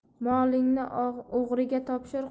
molingni o'g'riga topshir